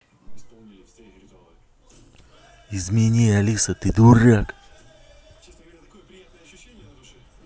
измени алиса ты дурак